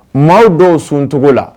Maaw dɔw suncogo la